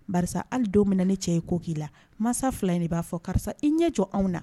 Karisa hali donmin ne cɛ ye ko k'i la mansa fila in de b'a fɔ karisa i ɲɛ jɔ anw na